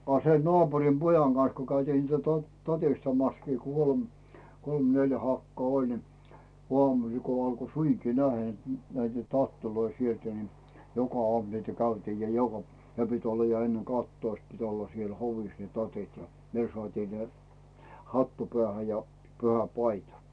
a se naapurin pojan kanssa kun käytiin niitä - tatistamassakin - kolme neljä hakaa oli niin aamusilla kun alkoi suinkin nähdä että näitä tatteja sieltä niin joka aamu niitä käytiin ja joka - ja ne piti olla ja ennen kahtatoista piti olla siellä hovissa ne tatit ja ne saatiin ne hattu päähän ja pyhäpaita